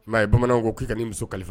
Maa ye bamanan ko k'i kai nin muso kalifa